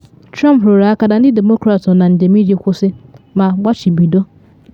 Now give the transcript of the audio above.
Trump rụrụ aka na ndị Demokrats nọ na njem iji “kwụsị ma gbochido.”